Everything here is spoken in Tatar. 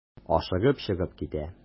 Ашыгып чыгып китә.